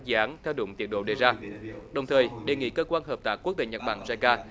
dự án theo đúng tiến độ đề ra đồng thời đề nghị cơ quan hợp tác quốc tế nhật bản sai ca